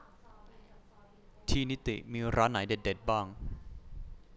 ที่นิติมีร้านไหนเด็ดเด็ดบ้าง